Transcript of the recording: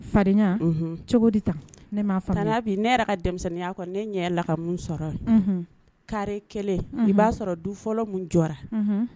Farinya cogo di ne yɛrɛ ka denmisɛnninya ne ɲɛ lakamu sɔrɔ kari kelen i b'a sɔrɔ du fɔlɔ min jɔra